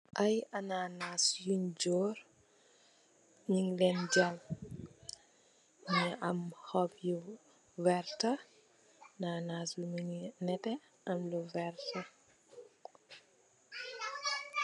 Ay ananas yun jorr nu am ay cub yu werte ananas yi nu ngi am lu nete ak lu werte.